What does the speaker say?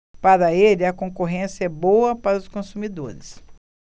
para ele a concorrência é boa para os consumidores